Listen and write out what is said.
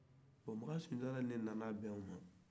bɔn makan sunjata de nana bɛn o ma